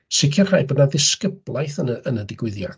Sicrhau bod 'na ddisgyblaeth yn y yn y digwyddiad.